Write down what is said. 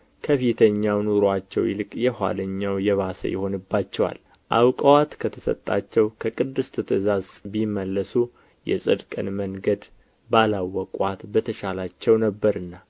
ከፊተኛው ኑሮአቸው ይልቅ የኋለኛው የባሰ ሆኖባቸዋል አውቀዋት ከተሰጣቸው ከቅድስት ትእዛዝ ከሚመለሱ የጽድቅን መንገድ ባላወቋት በተሻላቸው ነበርና